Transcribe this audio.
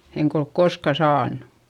enkä ole koskaan saanut